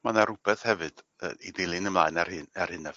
Ma' 'na rwbeth hefyd yy i ddilyn ymlaen ar hyn ar hyn nawr...